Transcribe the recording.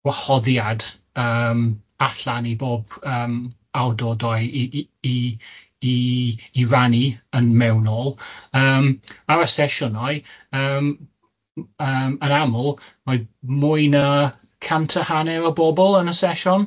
wahoddiad yym allan i bob yym awdudoi i i i i i rannu yn mewnol yym ar y sesiynau yym yym yn aml mae mwy na cant y hanner o bobol yn y sesiwn.